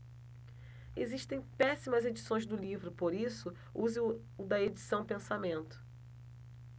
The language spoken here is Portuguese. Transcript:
existem péssimas edições do livro por isso use o da edição pensamento